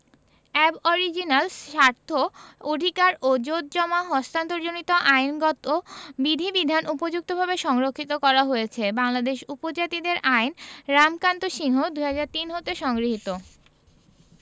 aboriginals স্বার্থ অধিকার ও জোতজমা হস্তান্তরজনিত আইনগত বিধিবিধান উপযুক্তভাবে সংরক্ষিত করা হয়েছে বাংলাদেশের উপজাতিদের আইন রামকান্ত সিংহ ২০০৩ হতে সংগৃহীত